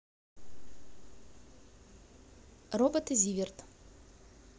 робот и zivert